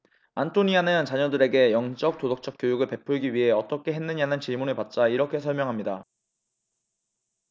안토니아는 자녀들에게 영적 도덕적 교육을 베풀기 위해 어떻게 했느냐는 질문을 받자 이렇게 설명합니다